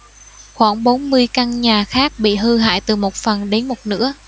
khoảng bốn mươi căn nhà khác bị hư hại từ một phần đến một nửa